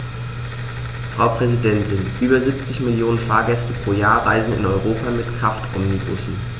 Frau Präsidentin, über 70 Millionen Fahrgäste pro Jahr reisen in Europa mit Kraftomnibussen.